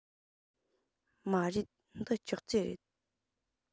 མ རེད འདི ཅོག ཙེ རེད